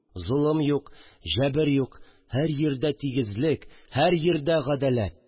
Золым юк, җәбер юк, һәр йирдә тигезлек, һәр йирдә гадаләт